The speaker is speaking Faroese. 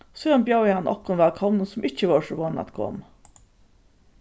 síðan bjóðaði hann okkum vælkomnum sum ikki vóru so von at koma